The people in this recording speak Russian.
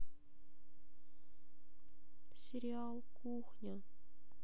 сериал кухня